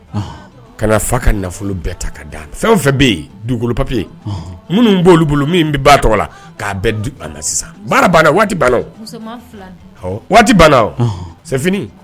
Ɔnhɔn, Ka na fa ka nafolo bɛɛ ta, fɛn o fɛn bɛ yen, dugukolo papiers ɔhnɔn, minnu b'olu bolo minnu bɛ ba tɔgɔ la k'a ɛɛ di a man sisan, baara banna , waati banna, musoman 2 dun, awɔ, waati banna, wagati c'est fini!